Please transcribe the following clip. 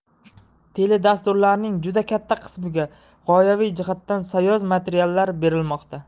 teledasturlarning juda katta qismida g'oyaviy jihatdan sayoz materiallar berilmoqda